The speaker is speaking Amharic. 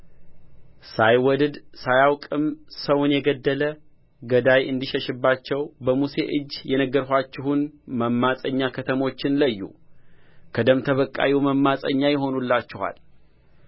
ሳይወድድ ሳያውቅም ሰውን የገደለ ገዳይ እንዲሸሽባቸው በሙሴ እጅ የነገርኋችሁን መማፀኛ ከተሞችን ለዩ ከደም ተበቃዩ መማፀኛ ይሆኑላችኋል